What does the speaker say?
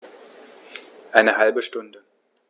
Eine halbe Stunde